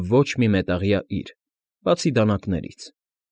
Ոչ մի մետաղյա իր, բացի դանակներից։